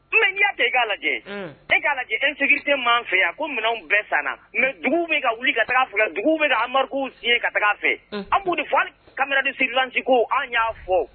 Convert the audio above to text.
Mɛ ɲɛ de e k'a lajɛ e k'a lajɛ e sigite ma fɛ yan a ko minɛnanw bɛɛ san mɛ dugu bɛ ka wuli ka taa faga dugu bɛ an amaduri ka taa a fɛ an b' de fɔli kamalen di sirilanti ko an y'a fɔ